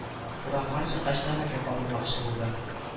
Урамга чыккач тәмәке кабызмакчы булды